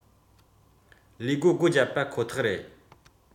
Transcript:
ཡང བསྐྱར འཛུགས སྐྲུན དུས ཐེངས ༥༥ པའི རྡོ སྣུམ གསོག འཇོག བྱ དགོས